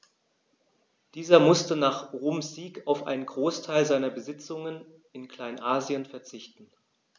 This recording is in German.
Dieser musste nach Roms Sieg auf einen Großteil seiner Besitzungen in Kleinasien verzichten.